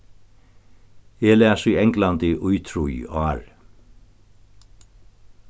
eg las í englandi í trý ár